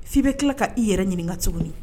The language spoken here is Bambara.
Fii bɛ kila ka i yɛrɛ ɲininka tuguni